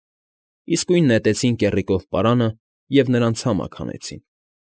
Իսկույն նետեցին կեռիկով պարանը և նրան ցամաք հանեցին։